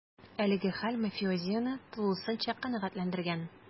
Әлеге хәл мафиозины тулысынча канәгатьләндергән: